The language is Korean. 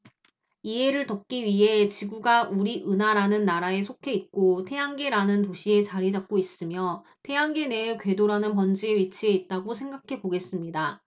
이해를 돕기 위해 지구가 우리 은하라는 나라에 속해 있고 태양계라는 도시에 자리 잡고 있으며 태양계 내의 궤도라는 번지에 위치해 있다고 생각해 보겠습니다